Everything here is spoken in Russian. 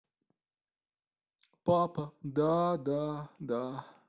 папа да да да